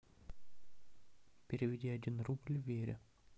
переведи один рубль вере